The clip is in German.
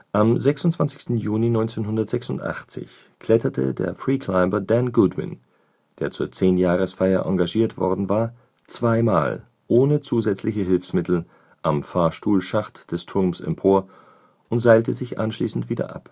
Am 26. Juni 1986 kletterte der Freeclimber Dan Goodwin, der zur Zehnjahresfeier engagiert worden war, zweimal ohne zusätzliche Hilfsmittel am Fahrstuhlschacht des Turms empor und seilte sich anschließend wieder